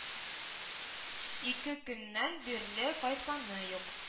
Ике көннән бирле кайтканы юк